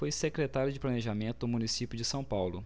foi secretário de planejamento do município de são paulo